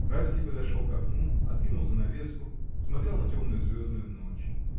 Райский подошел к окну, откинул занавеску, смотрел на темную звездную ночь.